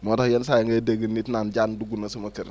moo tax yenn saa yi ngay dégg nit naan jaan dugg na sama kër